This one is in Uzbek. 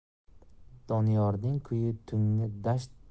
doniyorning kuyi tungi dasht